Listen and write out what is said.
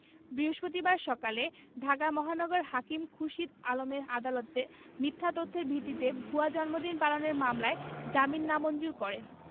বৃহস্পতিবার সকালে ঢাকা মহানগর হাকিম খুরশীদ আলমের আদালত মিথ্যা তথ্যের ভিত্তিতে ভুয়া জন্মদিন পালনের মামলায় জামিন নামঞ্জুর করেন